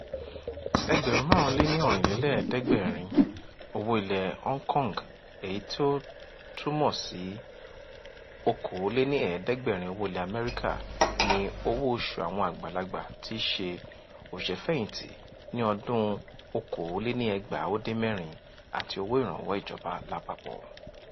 HK$5,780 (US$720) ni owó oṣù àwọn àgbàlagbà tí í ṣe òṣìṣẹ́-fẹ̀yìntì ní ọdún-un 2016 — àti owó ìrànwọ́ ìjọba lápapọ̀.